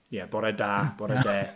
Ie, bore da, bore de.